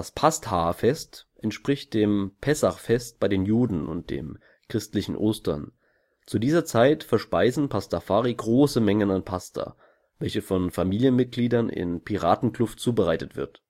Passtahfest entspricht dem Pessachfest bei den Juden und dem christlichen Ostern. Zu dieser Zeit verspeisen Pastafari große Mengen an Pasta, welche von Familienmitgliedern in Piratenkluft zubereitet wird